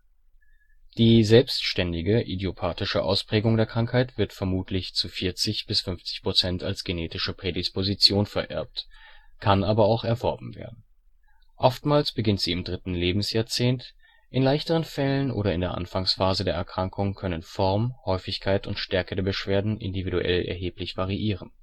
Die selbständige (idiopathische) Ausprägung der Krankheit wird vermutlich zu 40-50 % als genetische Prädisposition vererbt, kann aber auch erworben werden. Oftmals beginnt sie im dritten Lebensjahrzehnt. In leichteren Fällen oder in der Anfangsphase der Erkrankung können Form, Häufigkeit und Stärke der Beschwerden individuell erheblich variieren